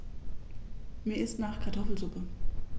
Mir ist nach Kartoffelsuppe.